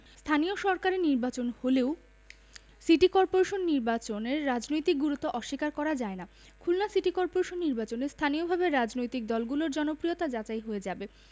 স্থানীয় সরকারের নির্বাচন হলেও সিটি করপোরেশন নির্বাচনের রাজনৈতিক গুরুত্ব অস্বীকার করা যায় না খুলনা সিটি করপোরেশন নির্বাচনে স্থানীয়ভাবে রাজনৈতিক দলগুলোর জনপ্রিয়তা যাচাই হয়ে যাবে